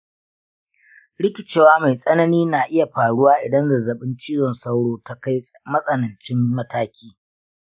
rikicewa mai tsanani na iya faruwa idan zazzabin cizon sauro ta kai matsanancin matakin.